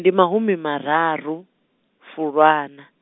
ndi mahumimararu, Fulwana.